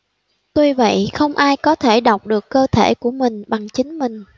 tuy vậy không ai có thể đọc được cơ thể của mình bằng chính mình